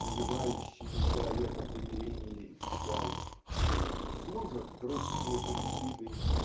навевающей на человека примирение и печаль. Служат грустные панихиды